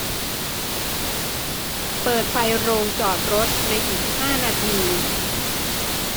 เปิดไฟโรงจอดรถในอีกห้านาที